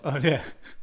Ond ie .